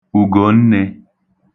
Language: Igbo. Ùgònnē